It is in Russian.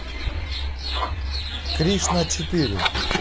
кришна четыре